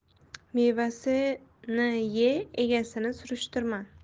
mevasini ye egasini surishtirma